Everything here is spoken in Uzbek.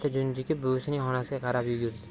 yig'idan eti junjikib buvisining xonasiga qarab yugurdi